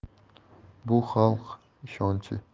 bu xalq ishonchi